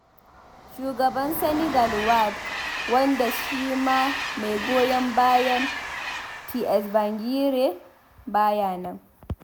Shugaban Senegal Wade, wanda shi ma mai goyan bayan Tsvangirai ba ya nan.